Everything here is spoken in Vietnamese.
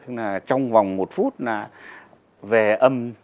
tức là trong vòng một phút là về âm